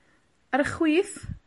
Ar y chwith,